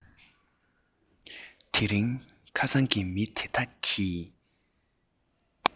དེ རིང ཁ སང གི མི དེ དག གིས